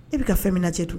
I bɛ ka fɛn minɛ tugun